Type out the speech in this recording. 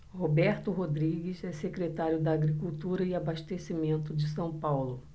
roberto rodrigues é secretário da agricultura e abastecimento de são paulo